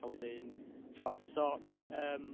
A wedyn, tibod, so yym,